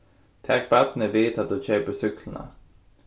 tak barnið við tá tú keypir súkkluna